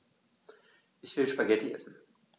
Ich will Spaghetti essen.